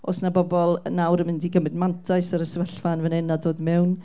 oes 'na bobl nawr yn mynd i gymryd mantais ar y sefyllfa yn fan hyn a dod mewn.